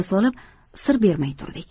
solib sir bermay turdik